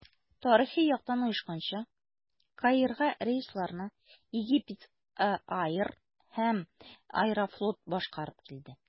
Тарихи яктан оешканча, Каирга рейсларны Egypt Air һәм «Аэрофлот» башкарып килде.